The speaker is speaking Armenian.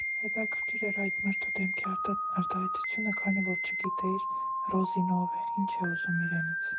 Հետաքրքիր էր այդ մարդու դեմքի արտահայտությունը, քանի որ չգիտեր Ռոզին ո՞վ է, ի՞նչ է ուզում իրենից։